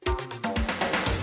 San